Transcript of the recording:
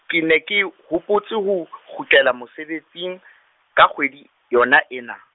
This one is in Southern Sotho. ke ne ke h- hopotse ho kgutlela mosebetsing, ka kgwedi yona ena.